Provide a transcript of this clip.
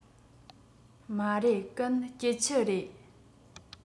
མ རེད གན སྐྱིད ཆུ རེད